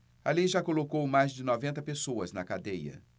a lei já colocou mais de noventa pessoas na cadeia